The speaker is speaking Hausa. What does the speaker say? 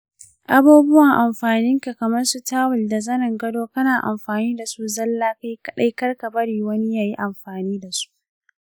abubuwan amfaninka kaman su tawul da zanin gado kana amfani dasu zalla kai kadai karka bari wani yayi amfani dasu.